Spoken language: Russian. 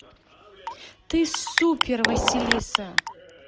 ты супер василиса